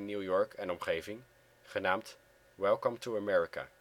York en omgeving, genaamd " Welcome to America